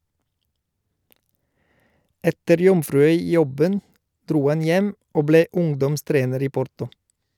Etter Jomfruøy-jobben dro han hjem og ble ungdomstrener i Porto.